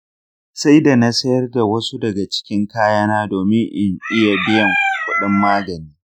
sai da na sayar da wasu daga cikin kayana domin in iya biyan kuɗin magani.